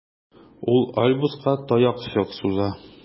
Ул Альбуска таякчык суза.